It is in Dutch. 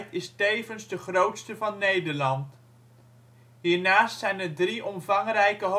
is tevens de grootste van Nederland. Hiernaast zijn er drie omvangrijke hogescholen